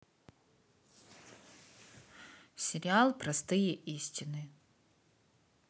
сериал простые истины